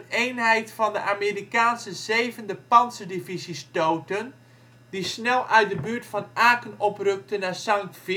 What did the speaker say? eenheid van de Amerikaanse 7e pantserdivisie stootten, die snel uit de buurt van Aken oprukte naar Sankt